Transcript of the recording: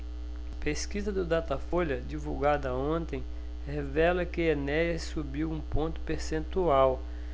pesquisa do datafolha divulgada ontem revela que enéas subiu um ponto percentual